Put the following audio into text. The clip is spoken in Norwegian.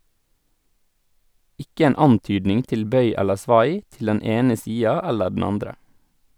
Ikke en antydning til bøy eller svai, til den ene sida eller den andre.